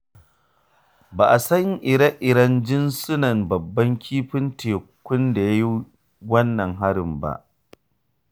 Ba a san ire-iren jinsunan babban kifin tekun da ya yi wannan harin ba.